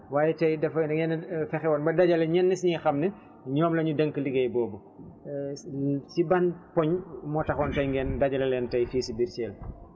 waaye tay dafa da ngeen a fexe woon ba dajale ñenn si ñi nga xam ne ñoom la ñu dénk liggéey boobu si si ban poñ moo taxoon tay ngeen dajale leen tay fii si biir Thiel